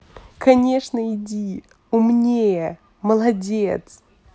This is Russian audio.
конечно иди умнее молодец